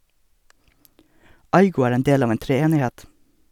Aygo er en del av en treenighet.